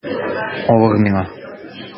Авыр миңа...